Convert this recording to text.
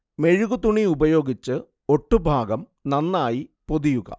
മെഴുകു തുണി ഉപയോഗിച്ച് ഒട്ടു ഭാഗം നന്നായി പൊതിയുക